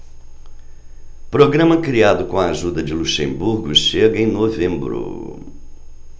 programa criado com a ajuda de luxemburgo chega em novembro